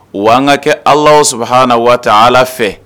Wa an ka kɛ ala sɔrɔ h na waa tan ala fɛ